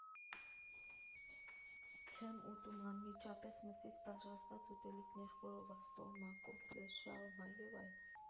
Չեմ ուտում անմիջապես մսից պատրաստված ուտելիքներ՝ խորոված, տոլմա, կոտլետ, շաուրմա և այն։